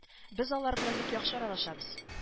Без алар белән бик яхшы аралашабыз